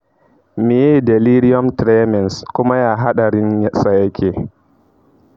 miye delirium tremens kuma ya haddarin sa yake?